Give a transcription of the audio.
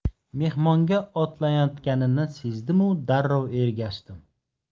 mehmonga otlanayotganini sezdimu darrov ergashdim